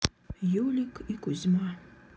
юлик и кузьма